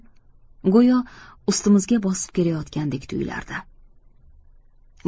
go'yo ustimizga bosib kelayotgandek tuyulardi